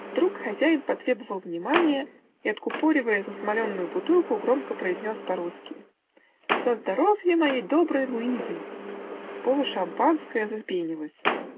Вдруг хозяин потребовал внимания и, откупоривая засмоленную бутылку, громко произнес по-русски: "За здоровье моей доброй Луизы!" Полушампанское запенилось.